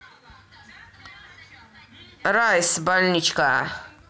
rise больничка